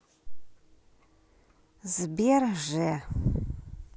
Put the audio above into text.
сбер ж